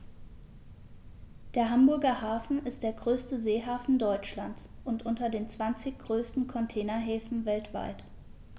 Der Hamburger Hafen ist der größte Seehafen Deutschlands und unter den zwanzig größten Containerhäfen weltweit.